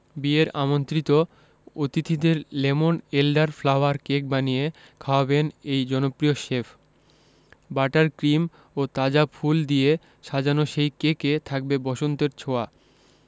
বিয়ের আমন্ত্রিত অতিথিদের লেমন এলডার ফ্লাওয়ার কেক বানিয়ে খাওয়াবেন এই জনপ্রিয় শেফ বাটার ক্রিম ও তাজা ফুল দিয়ে সাজানো সেই কেকে থাকবে বসন্তের ছোঁয়া